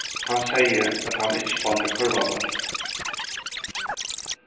hann segði at hann ikki spældi kurvabólt